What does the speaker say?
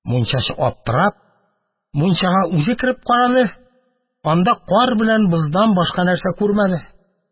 Мунчачы, аптырап, мунчага үзе кереп карады, анда кар белән боздан башка нәрсә күрмәде.